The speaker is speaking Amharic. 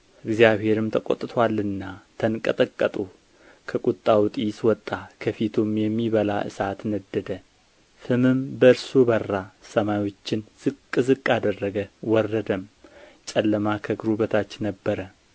እግዚአብሔርም ተቈጥቶአልና ተንቀጠቀጡ ከቍጣው ጢስ ወጣ ከፊቱም የሚበላ እሳት ነደደ ፍምም ከእርሱ በራ ሰማዮችን ዝቅ ዝቅ አደረገ ወረደም ጨለማ ከእግሩ በታች ነበረ